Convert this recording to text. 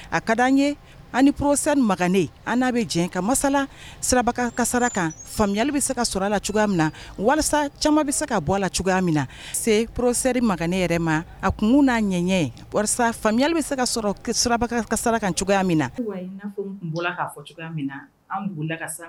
A ka di an ye an porosri manen an n'a bɛ jɛ ka masala suba kasara kan fayali bɛ se ka sɔrɔ la cogoya min na walasa caman bɛ se ka bɔ a la cogoya min na se puroroosri ma ne yɛrɛ ma a kun n'a ɲɛ ɲɛ walasa fayali bɛ se ka sɔrɔ subaga kasara kan cogoya min na cogoya